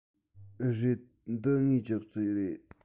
རེད འདི ངའི ཅོག ཙེ རེད